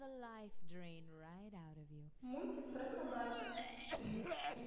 мультик про собачек